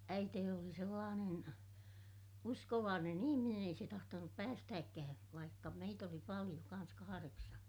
äitini oli sellainen uskovainen ihminen ei se tahtonut päästääkään vaikka meitä oli paljon kanssa kahdeksan